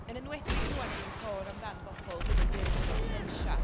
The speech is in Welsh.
Yn enwedig rŵan, o'n i'n sôn amdan bobl sydd yn byw hefo dementia.